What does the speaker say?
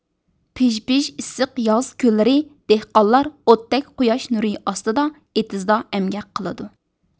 پىژ پىژ ئىسسىق ياز كۈنلىرى دېھقانلار ئوتتەك قۇياش نۇرى ئاستىدا ئېتىزدا ئەمگەك قىلىدۇ